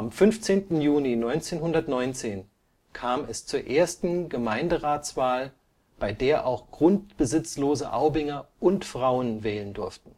15. Juni 1919 kam es zur ersten Gemeinderatswahl, bei der auch grundbesitzlose Aubinger und Frauen wählen durften